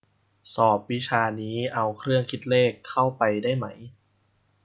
สอบวิชานี้เอาเครื่องคิดเลขเข้าไปได้ไหม